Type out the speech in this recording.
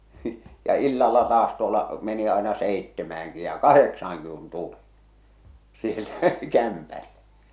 ja illalla taas tuolla meni aina seitsemäänkin ja kahdeksaankin kun tuli sieltä kämpälle